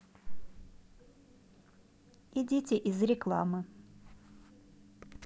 идите из рекламы